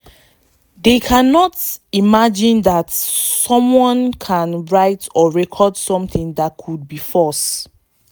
They cannot imagine that someone can write or record something that could be false.